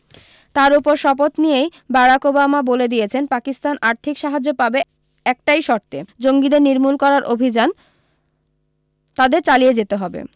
তার উপর শপথ নিয়েই বারাক ওবামা বলে দিয়েছেন পাকিস্তান আর্থিক সাহায্য পাবে একটাই শর্তে জঙ্গিদের নির্মুল করার অভি্যান তাদের চালিয়ে যেতে হবে